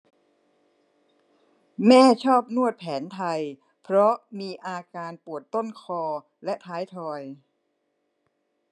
แม่ชอบนวดแผนไทยเพราะมีอาการปวดต้นคอและท้ายทอย